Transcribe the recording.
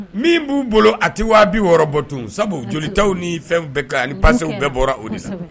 Min b'u bolo a tɛ waabi wɔɔrɔ bɔ tun sabu joliw ni fɛnw bɛɛ kan ni pasew bɛɛ bɔra o de sisan